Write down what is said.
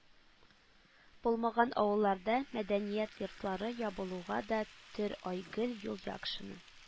Булмаган авылларда мәдәният йортлары ябылуга да төрайгөл юлъякшина